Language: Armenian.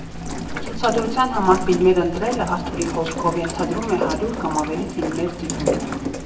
Ցուցադրության համար ֆիլմեր ընտրելը, Արթուրի խոսքով, ենթադրում է հարյուր կամ ավելի ֆիլմեր դիտում։